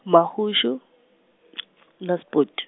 Mahushu , Naspoti.